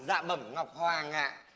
dạ bẩm ngọc hoàng ạ